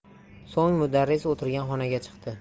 so'ng mudarris o'tirgan xonaga chiqdi